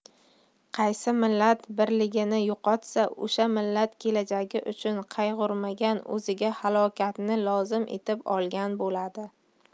qaysi millat birligini yo'qotsa o'sha millat kelajagi uchun qayg'urmagan o'ziga halokatni lozim etib olgan bo'ladi